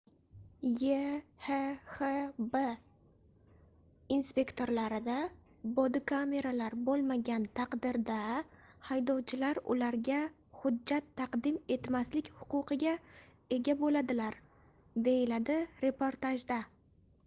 yhxb inspektorlarida bodikameralar bo'lmagan taqdirda haydovchilar ularga hujjat taqdim etmaslik huquqiga ega bo'ladi deyiladi reportajda